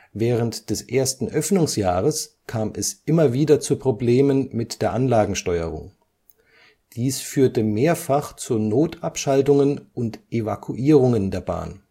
Während des ersten Öffnungsjahres kam es immer wieder zu Problemen mit der Anlagensteuerung. Dies führte mehrfach zu Notabschaltungen und Evakuierungen der Bahn